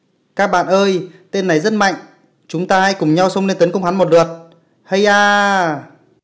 các bạn ơi tên này rất mạnh chúng ta hãy cùng nhau xông lên tấn công hắn một lượt hây a